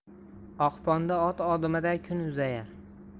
oqponda ot odimiday kun uzayar